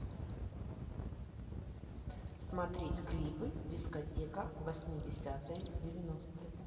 смотреть клипы дискотека восьмидесятые девяностые